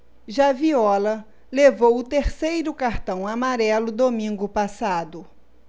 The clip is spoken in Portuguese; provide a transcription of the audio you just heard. já viola levou o terceiro cartão amarelo domingo passado